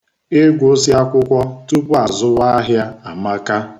Ịgwụsị akwụkwọ tupu azụwa ahịa amaka.